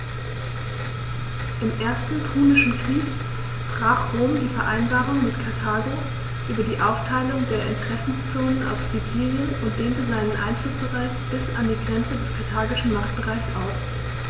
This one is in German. Im Ersten Punischen Krieg brach Rom die Vereinbarung mit Karthago über die Aufteilung der Interessenzonen auf Sizilien und dehnte seinen Einflussbereich bis an die Grenze des karthagischen Machtbereichs aus.